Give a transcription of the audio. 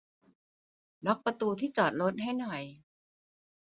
ล็อคประตูที่จอดรถให้หน่อย